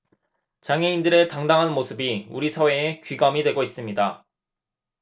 장애인들의 당당한 모습이 우리 사회의 귀감이 되고 있습니다